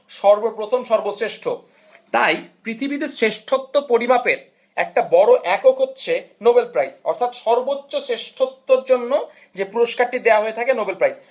সর্বশেষ ও সর্বশ্রেষ্ঠ তাই পৃথিবীতে শ্রেষ্ঠত্ব পরিমাপের একটা বড় একক হচ্ছে নোবেল প্রাইস অর্থাৎ সর্বোচ্চ শ্রেষ্ঠত্তর জন্য যে পুরস্কারটি দেয়া হয়ে থাকে নবেল প্রাইজ